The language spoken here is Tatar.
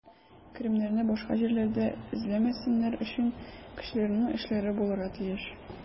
Керемнәрне башка җирләрдә эзләмәсеннәр өчен, кешеләрнең эшләре булырга тиеш.